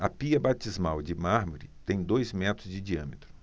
a pia batismal de mármore tem dois metros de diâmetro